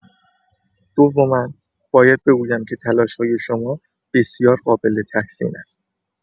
دوما، باید بگویم که تلاش‌های شما بسیار قابل‌تحسین است.